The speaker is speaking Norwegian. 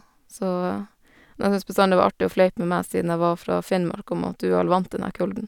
Så dem syns bestandig det var artig å fleipe med meg siden jeg var fra Finnmark, om at Du er vel vant til den her kulden.